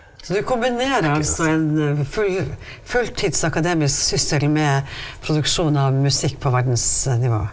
så du kombinerer altså en fulltids akademisk syssel med produksjon av musikk på verdensnivå?